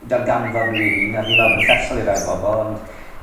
i darganfod n'w eu hun a fi'n me'wl bod yn llesol i rai o'r bobol ond